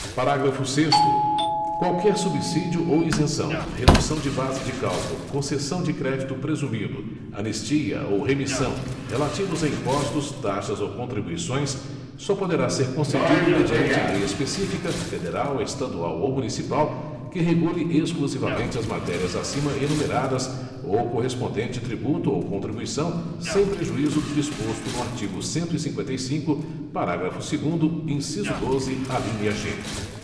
parágrafo sexto qualquer subsídio ou isenção redução de base de cálculo concessão de crédito presumido anistia ou remissão relativas a impostos taxas ou contribuições só poderá ser concedido mediante lei específica federal estadual ou municipal que regule exclusivamente as matérias acima enumeradas ou o correspondente tributo ou contribuição sem prejuízo do disposto no artigo cento e cinquenta e cinco parágrafo segundo inciso doze alínea g